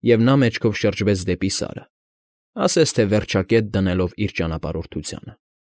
Եվ նա մեջքով շրջվեց դեպի Սարը, ասես թե վերջակետ դնելով իր ճանապարհորդությանը։